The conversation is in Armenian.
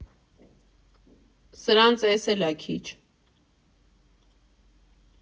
Սրանց էս էլ ա քիչ։